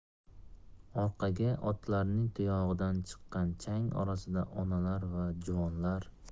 orqada otlarning tuyog'idan chiqqan chang orasida onalar va juvonlar